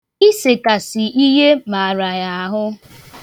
Isekasị ihe mara ya ahụ.